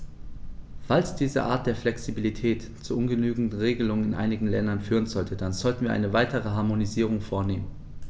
Falls diese Art der Flexibilität zu ungenügenden Regelungen in einigen Ländern führen sollte, dann sollten wir eine weitere Harmonisierung vornehmen.